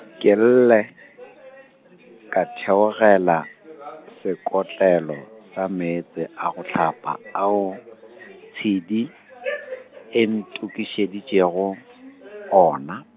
ke ile, ka theogela , sekotlelo sa meetse a go hlapa ao, Tshidi , e ntokišeditšego, ona.